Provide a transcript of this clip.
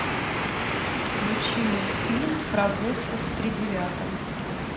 включи мультфильм про вовку в тридевятом